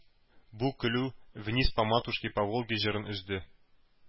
Бу көлү “Вниз по матушке по Волге“ җырын өзде.